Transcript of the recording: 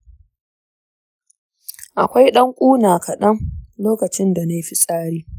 akwai ɗan ƙuna kaɗan lokacin da nayi fitsari.